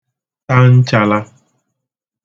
ta nchālā